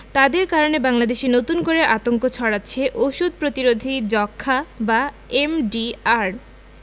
তাদের কারণে বাংলাদেশে নতুন করে আতঙ্ক ছড়াচ্ছে ওষুধ প্রতিরোধী যক্ষ্মা বা এমডিআর